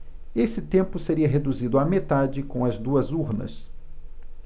esse tempo seria reduzido à metade com as duas urnas